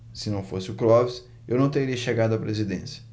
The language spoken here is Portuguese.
se não fosse o clóvis eu não teria chegado à presidência